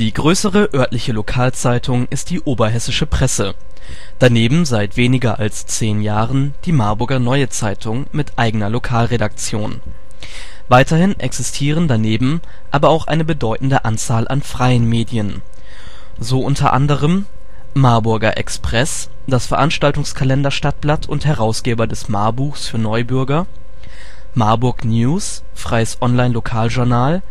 größere örtliche Lokalzeitung ist die Oberhessische Presse, daneben seit weniger als 10 Jahren die Marburger Neue Zeitung mit eigener Lokalredaktion. Weiterhin existieren daneben aber auch eine bedeutende Anzahl an freien Medien, so unter anderem Marburger Express - das Veranstaltungskalender-Stadtblatt und Herausgeber des " Marbuchs " für Neubürger; Marburgnews - freies Online-Lokaljournal